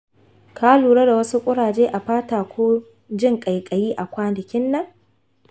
ka lura da wasu kuraje a fata ko jin ƙaiƙayi a kwanakin nan?